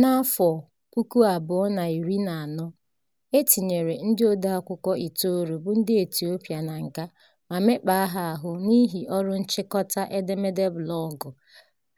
N'afọ 2014, e tinyere ndị odeakwụkwọ itoolu bụ ndị Ethiopia na nga ma mekpaa ha ahụ n'ihi ọrụ nchịkọta edemede blọọgụ